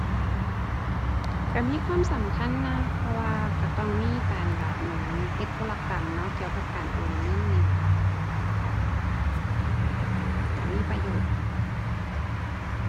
ก็มีความสำคัญนะ เพราะว่าก็ต้องมีการแบบ เหมือนเฮ็ดธุรกรรมเนาะ เกี่ยวกับการโอนเงินนี่ล่ะ ก็มีประโยชน์